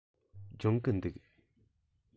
སྦྱོང གི འདུག